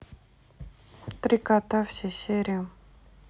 три кота все серии